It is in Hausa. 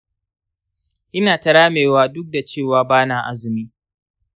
ina ta ramewa duk da cewa ba na azumi.